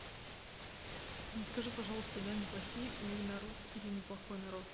ты мне скажи пожалуйста дани плохие и народ или неплохой народ